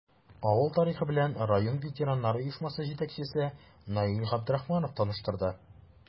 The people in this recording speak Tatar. Авыл тарихы белән район ветераннар оешмасы җитәкчесе Наил Габдрахманов таныштырды.